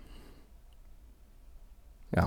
Ja.